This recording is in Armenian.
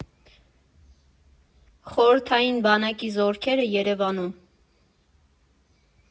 Խորհրդային բանակի զորքերը Երևանում.